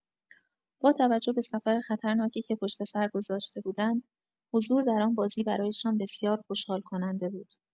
با توجه به سفر خطرناکی که پشت‌سر گذاشته بودند، حضور در آن بازی برایشان بسیار خوشحال‌کننده بود.